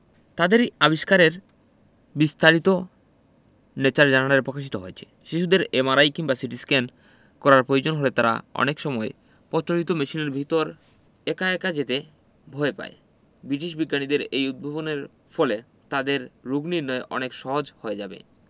তাদের এই আবিষ্কারের বিস্তারিত ন্যাচার জার্নালে পকাশিত হয়েছে শিশুদের এমআরআই কিংবা সিটিস্ক্যান করার পয়োজন হলে তারা অনেক সময় পচলিত মেশিনের ভিতর একা একা যেতে ভয় পায় বিটিশ বিজ্ঞানীদের এই উদ্ভাবনের ফলে তাদের রোগনির্নয় অনেক সহজ হয়ে যাবে